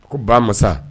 U ko Ba masa